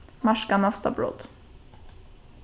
marka næsta brot